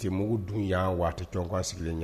Se mugu dun y' waati tɔn ka sigilen ɲɛ